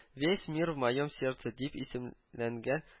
” весь мир в моем сердце” дип исем ләнгән